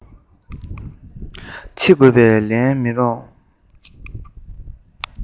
འཆི དགོས པའི གོ བ ལེན མི རུང